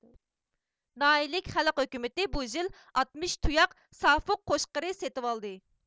ناھىيىلىك خەلق ھۆكۈمىتى بۇ يىل ئاتمىش تۇياق سافۇق قوچقىرى سېتىۋالدى